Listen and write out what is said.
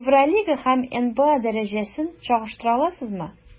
Евролига һәм НБА дәрәҗәсен чагыштыра аласызмы?